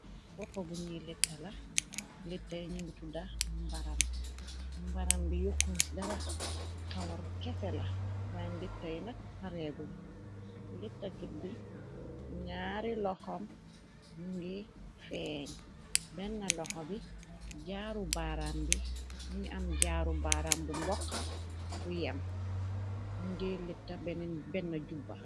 boppa buñuy litta la litta yi ñengitudda mbaram mbaram bi yokkun ci dara tawor kese la wañn litta yinak pareegum littakit bi ñaari loxam ngi feeñ benn loxo bi jaru baram bi muy am jaaru baaram bu mboxa bu yem mungi litta benn jubba